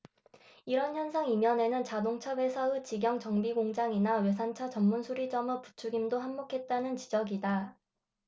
이런 현상 이면에는 자동차회사의 직영 정비공장이나 외산차 전문수리점의 부추김도 한몫했다는 지적이다